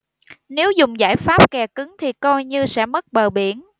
nếu dùng giải pháp kè cứng thì coi như sẽ mất bờ biển